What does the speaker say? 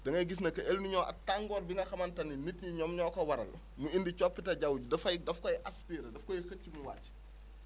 da ngay gis ne que Elninio ak tàngoor bi nga xamante ni nit ñi ñoom ñoo ko waral ñu indi coppite jaww ji dafay daf koy aspiré daf koy xëcc bu wàcc